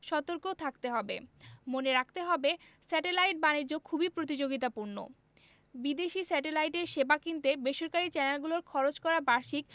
সতর্ক থাকতে হবে মনে রাখতে হবে স্যাটেলাইট বাণিজ্য খুবই প্রতিযোগিতাপূর্ণ বিদেশি স্যাটেলাইটের সেবা কিনতে বেসরকারি চ্যানেলগুলোর খরচ করা বার্ষিক